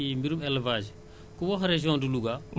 assurance mu ngi seen wet di leen jàppale ci risques yi